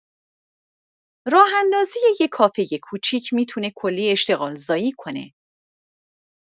راه‌اندازی یه کافه کوچیک می‌تونه کلی اشتغالزایی کنه.